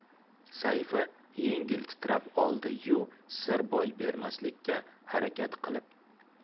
sayfi yengil titrab oldi yu sir boy bermaslikka harakat qilib